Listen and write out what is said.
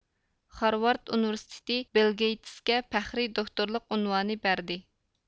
خارۋارد ئۇنىۋېرسىتېتى بىل گېيتىسكە پەخرىي دوكتورلۇق ئۇنۋانى بەردى